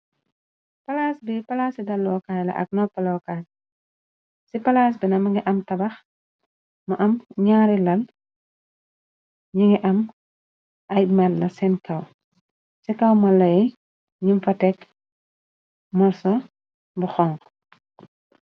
Palaas bi palaas i daalo kay ak noppa lo kal ci palas bi nat mungi am tabax mu am ñaari lal yi ngi am ay matla seen kaw ci kaw matla yi ñum fa teg morsoh bu xonxu.